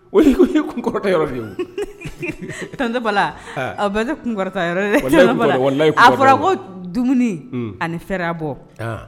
Tɛ bala a bɛ kun fɔra ko dumuni ani fɛɛrɛya bɔ